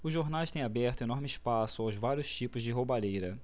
os jornais têm aberto enorme espaço aos vários tipos de roubalheira